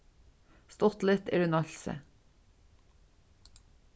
stuttligt er í nólsoy